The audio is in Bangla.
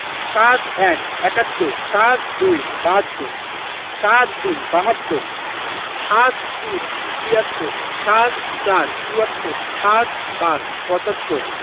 ৭১ একাত্তর ৭২ বাহাত্তর ৭৩ তিয়াত্তর ৭৪ চুয়াত্তর ৭৫ পঁচাত্তর